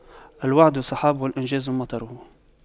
الوعد سحاب والإنجاز مطره